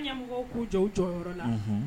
ɲɛmɔgɔw k'u jɔ u jɔyɔrɔ la unhun